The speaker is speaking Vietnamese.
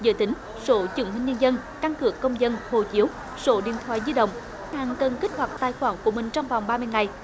giới tính số chứng minh nhân dân căn cước công dân hộ chiếu số điện thoại di động khách hàng cần kích hoạt tài khoản của mình trong vòng ba mươi ngày